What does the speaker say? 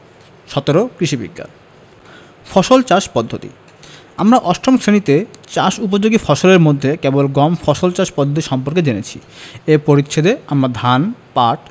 ১৭ কৃষি বিজ্ঞান ফসল চাষ পদ্ধতি আমরা অষ্টম শ্রেণিতে চাষ উপযোগী ফসলের মধ্যে কেবল গম ফসল চাষ পদ্ধতি সম্পর্কে জেনেছি এ পরিচ্ছেদে আমরা ধান পাট